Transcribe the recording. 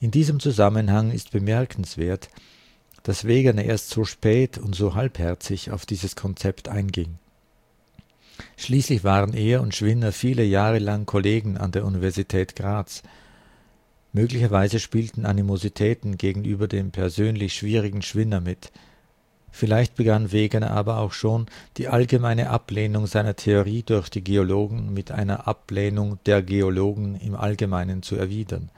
diesem Zusammenhang ist bemerkenswert, dass Wegener erst so spät und so halbherzig auf dieses Konzept einging. Schließlich waren er und Schwinner viele Jahre lang Kollegen an der Universität Graz. Möglicherweise spielten Animositäten gegenüber dem persönlich schwierigen Schwinner mit; vielleicht begann Wegener aber auch schon, die allgemeine Ablehnung seiner Theorie durch die Geologen mit einer Ablehnung „ der Geologen “im Allgemeinen zu erwidern